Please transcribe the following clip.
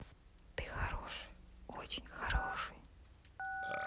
ты хороший очень хороший друг